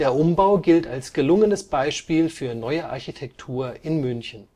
Umbau gilt als gelungenes Beispiel für neue Architektur in München